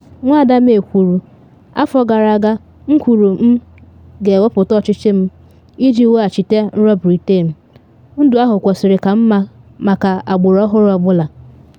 Nwada May kwuru: “Afọ gara aga m kwuru m ga-ewepụta ọchịchị m iji weghachite nrọ Britain - ndụ ahụ kwesịrị ka mma maka agbụrụ ọhụrụ ọ bụla.